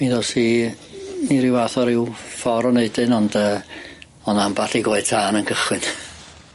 Mi ddos i i ryw fath o ryw ffor o neud hyn ond yy on' amball i goe tân yn cychwyn.